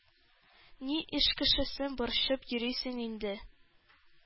Ник эш кешесен борчып йөрисең инде?” –